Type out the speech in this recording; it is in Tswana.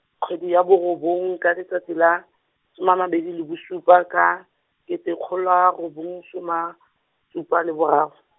kgwedi ya borobong ka letsatsi la, soma mabedi le bosupa ka, kete kgolo a robong soma , supa le boraro.